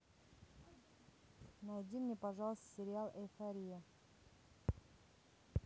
найди мне пожалуйста сериал эйфория